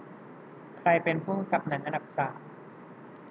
ใครเป็นผู้กำกับหนังอันดับสาม